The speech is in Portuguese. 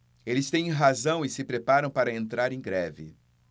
eles têm razão e se preparam para entrar em greve